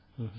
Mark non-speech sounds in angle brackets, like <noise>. <hesitation>